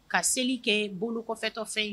Ka seli kɛ bolo kɔfɛtɔ fɛ yen